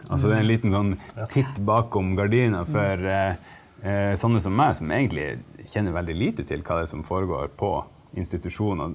altså det er en liten sånn titt bakom gardina for sånne som meg som egentlig kjenner veldig lite til hva det er som foregår på institusjoner.